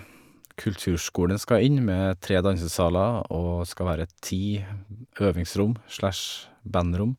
Kulturskolen skal inn med tre dansesaler, og skal være ti øvingsrom slash bandrom.